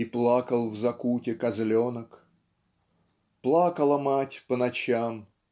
и плакал в закуте козленок. Плакала мать по ночам.